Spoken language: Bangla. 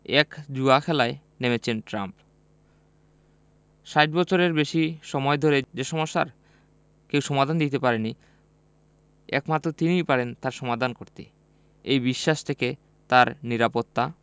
এক জুয়া খেলায় নেমেছেন ট্রাম্প ৬০ বছরের বেশি সময় ধরে যে সমস্যার কেউ সমাধান করতে পারেনি একমাত্র তিনিই পারেন তার সমাধান করতে এই বিশ্বাস থেকে তাঁর নিরাপত্তা